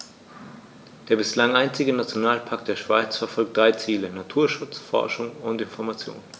Der bislang einzige Nationalpark der Schweiz verfolgt drei Ziele: Naturschutz, Forschung und Information.